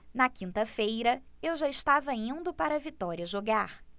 na quinta-feira eu já estava indo para vitória jogar